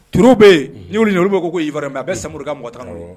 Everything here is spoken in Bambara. Turu bɛ yen n'i wili olu bɛ ko irinme a bɛ samurukan mɔgɔ tan